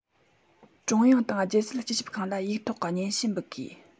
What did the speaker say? ཀྲུང དབྱང དང རྒྱལ སྲིད སྤྱི ཁྱབ ཁང ལ ཡིག ཐོག གི སྙན ཞུ འབུལ དགོས